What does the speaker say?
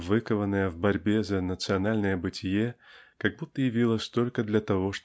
выкованная в борьбе за национальное бытие как будто явилась только для того